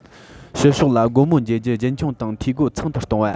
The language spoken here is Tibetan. ཕྱི ཕྱོགས ལ སྒོ མོ འབྱེད རྒྱུ རྒྱུན འཁྱོངས དང འཐུས སྒོ ཚང དུ གཏོང བ